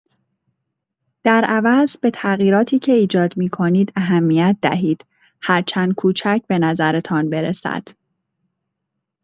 در عوض به تغییراتی که ایجاد می‌کنید اهمیت دهید، هرچند کوچک به نظرتان برسد.